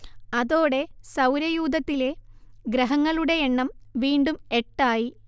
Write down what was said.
അതോടെ സൗരയൂഥത്തിലെ ഗ്രഹങ്ങളുടെയെണ്ണം വീണ്ടും എട്ടായി